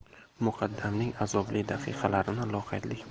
muqaddamning azobli daqiqalarini loqaydlik